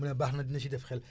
mu ne baax na dina ci def xel bi